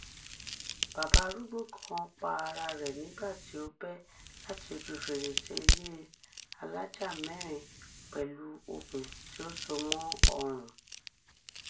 Bàbá arúgbó kan pa ara rẹ̀ nígbà tí ó bẹ́ láti ojúu fèrèsé ilé alájà-mẹ́rin pẹ̀lú okùn tí ó so mọ́ ọrùn.